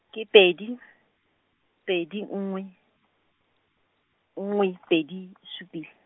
ke pedi , pedi nngwe, nngwe pedi, supile.